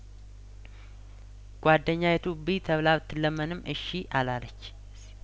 ጓደኛ ዪቱብ ዪ ተብላ ብትለመንም እሺ አላለችም